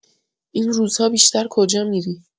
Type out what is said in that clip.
این روزها بیشتر کجا می‌ری؟